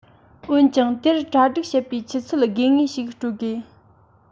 འོན ཀྱང དེར གྲ སྒྲིག བྱེད པའི དུས ཚོད དགོས ངེས ཤིག སྤྲོད དགོས